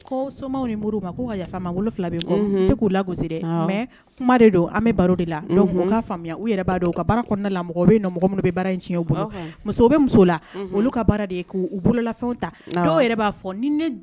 Koo somaw ni moriw ma k'u ka yafa ma n bolo 2 be kɔ unhun n te k'u lagosi dɛ awɔ mais kuma de don an be baro de la unhun donc u k'a faamuya u yɛrɛ b'a dɔn u ka baara kɔɔna la mɔgɔw be yennɔ mɔgɔ munnu be baara in tiɲɛ u bolo ɔnhɔn musow be muso la unhun olu ka baara de ye k'u u bolo fɛnw ta dɔw yɛrɛ b'a fɔ nin ne j